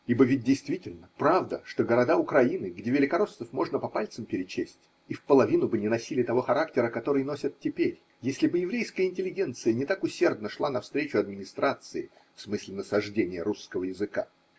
Ибо ведь действительно правда, что города Украины, где великороссов можно по пальцам перечесть, и вполовину бы не носили того характера, который носят теперь, если бы еврейская интеллигенция не так усердно шла навстречу администрации в смысле насаждения русского языка.